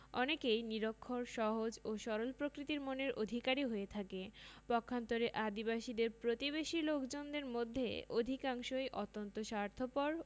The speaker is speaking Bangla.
অনেকেই নিরক্ষর সহজ ও সরল প্রকৃতির মনের অধিকারী হয়ে থাকে পক্ষান্তরে আদিবাসীদের প্রতিবেশী লোকজনদের মধ্যে অধিকাংশই অত্যন্ত স্বার্থপর